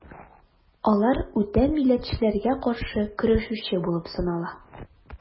Алар үтә милләтчеләргә каршы көрәшүче булып санала.